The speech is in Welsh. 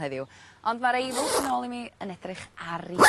...heddiw. Ond ma'r eiddil tu nôl i mi yn edrych ar 'i